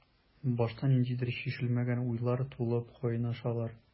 Башта ниндидер чишелмәгән уйлар тулып кайнашалар.